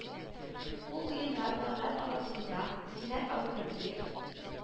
Бу уенда малайлар арасында – Динар Әүхәдиев